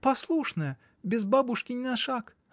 послушная, без бабушки ни на шаг.